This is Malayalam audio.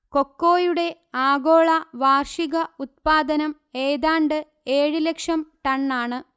കൊക്കോയുടെ ആഗോള വാർഷിക ഉത്പാദനം ഏതാണ്ട് ഏഴു ലക്ഷം ടണ്ണാണ്